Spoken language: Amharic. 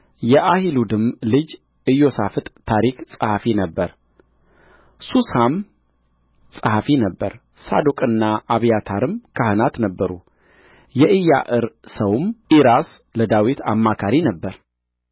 የአሒሉድም ልጅ ኢዮሣፍጥ ታሪክ ጸሐፊ ነበረ ሱሳም ጸሐፊ ነበረ ሳዶቅና አብያታርም ካህናት ነበሩ የኢያዕር ሰውም ዒራስ ለዳዊት አማካሪ ነበረ